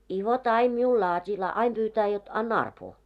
i vot aina minulle laatii - aina pyytää jotta anna arpoa